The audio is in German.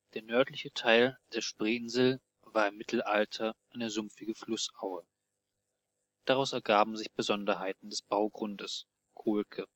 Der nördliche Teil der Spreeinsel war im Mittelalter eine sumpfige Flussaue. Daraus ergaben sich Besonderheiten des Baugrundes (Kolke